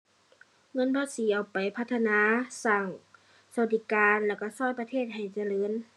เงินภาษีเอาไปพัฒนา สร้างสวัสดิการแล้วก็ก็ประเทศให้เจริญ